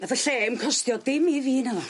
Nath y llêm costio dim i fi naddo.